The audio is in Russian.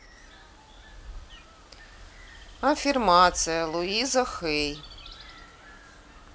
аффирмации луиза хей